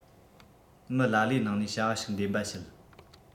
མི ལ ལས ནང ནས བྱ བ ཞིག འདེམས པ བྱེད